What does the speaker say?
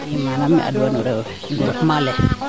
i manaam mi adwa nu den groupement le